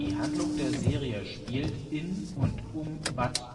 Handlung der Serie spielt in und um Bad